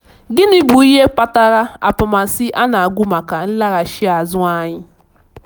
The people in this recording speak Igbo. Gịnị bụ ihe kpatara akpọmasị a na agụụ maka nlaghachi azụ anyị?